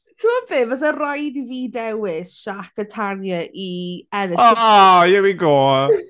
Timod be, fyse rhaid i fi dewis Shaq a Tanya i ennill... O! Here we go!